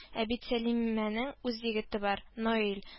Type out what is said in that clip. Ә бит Сәлимәнең үз егете бар. Наил